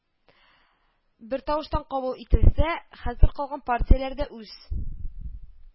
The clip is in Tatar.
Бертавыштан кабул ителсә, хәзер калган партияләргә дә үз